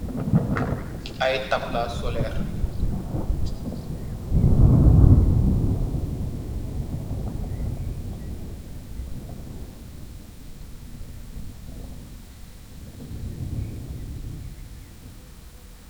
Aye tablaa soleer